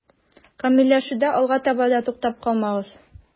Камилләшүдә алга таба да туктап калмагыз.